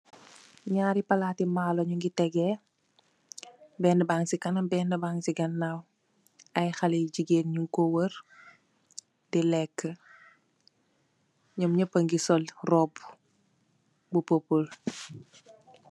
Nyaari palaati maalo nyungi tégé. Benn mbang ci kanam, benn bang ci ganaaw ay haley jigeen nung ko wërr di lekk. Nyom nyëp pa ing sol robbu bu popul.